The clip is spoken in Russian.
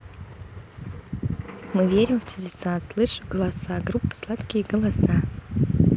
мы верим в чудеса слышу голоса группа сладкие голоса